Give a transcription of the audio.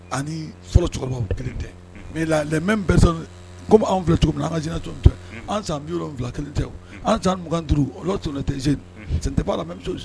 An ni fɔlɔ cɛkɔrɔba kelen tɛ les mêmes personnes comme an filɛ cogomin na an ka génération an san 70 kelen tɛ o an san 25 lorsqu'on était jeunes ce n'était pas la même